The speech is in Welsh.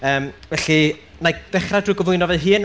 yym felly, wna i ddechrau drwy gyflwyno fy hun.